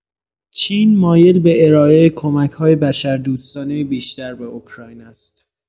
چین مایل به ارائه کمک‌‌های بشردوستانه بیشتر به اوکراین است.